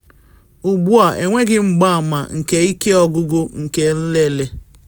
Ugbu a, enweghị mgbama nke ike ọgwụgwụ nke nlele.